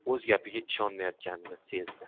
o'z gapiga o'zi ishonmayotganini sezdi